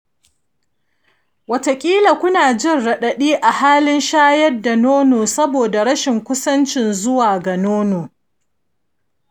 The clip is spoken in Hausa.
wataƙila ku na jin raɗaɗi a halin shayar da nono saboda rashin kusanci zuwa ga nono.